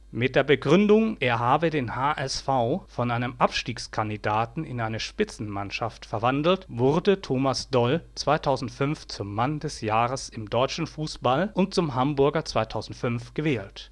Mit der Begründung, er habe den HSV von einem Abstiegskandidaten in eine Spitzenmannschaft verwandelt, wurde Thomas Doll 2005 zum Mann des Jahres im deutschen Fußball und zum „ Hamburger 2005” gewählt